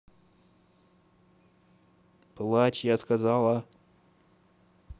плачь я сказала